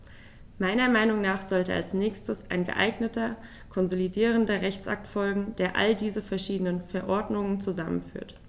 Meiner Meinung nach sollte als nächstes ein geeigneter konsolidierender Rechtsakt folgen, der all diese verschiedenen Verordnungen zusammenführt.